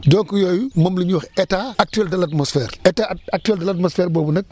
donc yooyu moom la ñuy wax état actuel de l' atmosphère état actuel de l' atmosphère boobu nag